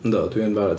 Yndw dwi yn barod.